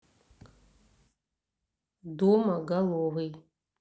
дома головый